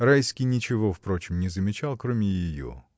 Райский ничего, впрочем, не замечал, кроме ее.